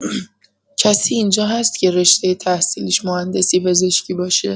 کسی اینجا هست که رشته تحصیلیش مهندسی پزشکی باشه؟